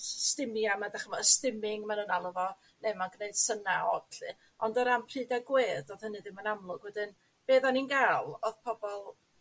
s- s- stumia 'ma dych ch'mod y stmming ma' nhw'n alw fo le ma'n gneud synna od lly, ond o ran pryd a gwedd odd hynny ddim yn amlwg wedyn be' 'ddan ni'n ga'l odd pobol